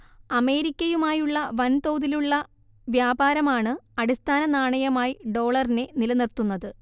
അമേരിക്കയുമായുള്ള വൻതോതിലുള്ള വ്യാപാരമാണ് അടിസ്ഥാന നാണയമായി ഡോളറിനെ നിലനിർത്തുന്നത്